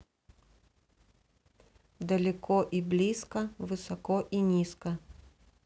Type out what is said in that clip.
далеко и близко высоко и низко